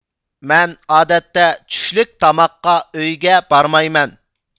مەن ئادەتتە چۈشلۈك تاماققا ئۆيگە بارمايمەن